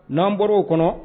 N'an bɔr'o kɔnɔ